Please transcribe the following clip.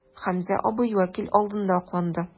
Хәмзә абый вәкил алдында акланды.